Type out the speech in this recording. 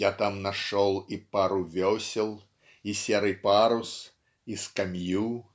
Я там нашел и пару весел, И серый парус, и скамью.